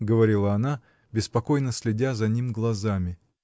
— говорила она, беспокойно следя за ним глазами.